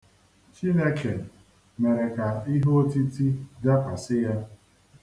Chineke mere ka iheotiti dakwasị ya.